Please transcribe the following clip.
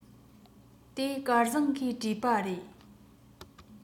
དེ སྐལ བཟང གིས བྲིས པ རེད